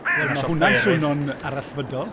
Wel mae hwnna'n swnio'n arallfydol.